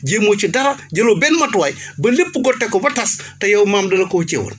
jéemoo ci dara jëloo benn matuwaay ba lépp goteeku ba tas te yow maam da la ko wëcceewoon